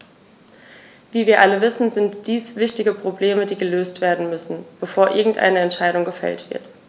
Wie wir alle wissen, sind dies wichtige Probleme, die gelöst werden müssen, bevor irgendeine Entscheidung gefällt wird.